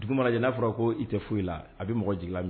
Dugu mana jɛ n'a fɔra ko i tɛ foyi la, a bɛ mɔgɔ jigin minsɛya.